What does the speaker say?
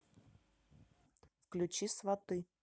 включи сваты